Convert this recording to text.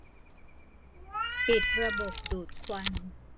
ปิดระบบดูดควัน